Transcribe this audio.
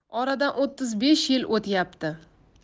oradan o'ttiz besh yil o'tyapti